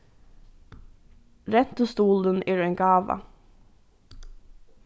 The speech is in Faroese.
rentustuðulin er ein gáva